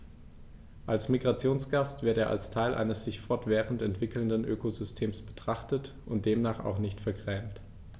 Als Migrationsgast wird er als Teil eines sich fortwährend entwickelnden Ökosystems betrachtet und demnach auch nicht vergrämt.